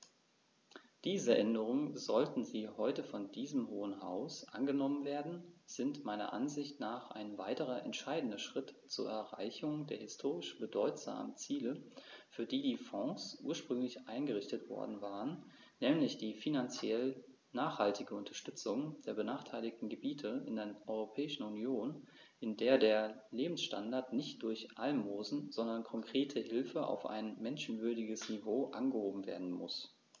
Diese Änderungen, sollten sie heute von diesem Hohen Haus angenommen werden, sind meiner Ansicht nach ein weiterer entscheidender Schritt zur Erreichung der historisch bedeutsamen Ziele, für die die Fonds ursprünglich eingerichtet worden waren, nämlich die finanziell nachhaltige Unterstützung der benachteiligten Gebiete in der Europäischen Union, in der der Lebensstandard nicht durch Almosen, sondern konkrete Hilfe auf ein menschenwürdiges Niveau angehoben werden muss.